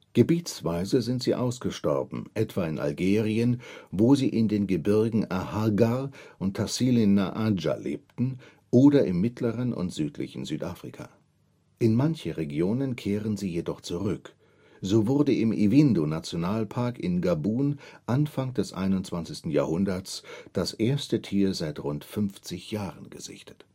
Gebietsweise sind sie ausgestorben, etwa in Algerien, wo sie in den Gebirgen Ahaggar und Tassili n'Ajjer lebten, oder im mittleren und südlichen Südafrika. In manche Regionen kehren sie jedoch zurück, so wurde im Ivindo-Nationalpark in Gabun Anfang des 21. Jahrhunderts das erste Tier seit rund 50 Jahren gesichtet